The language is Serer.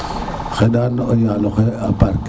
xeɗa o yaloxe a barkel mofan ne